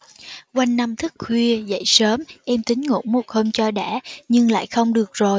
quanh năm thức khuya dậy sớm em tính ngủ một hôm cho đã nhưng lại không được rồi